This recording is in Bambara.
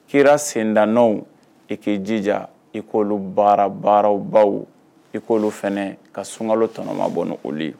Kifa senda nɔnw i k'i jija, i k'olu baara, baara, baarabaw, i k'olu fana ka sunkalo tɔnɔma bɔ ni olu ye.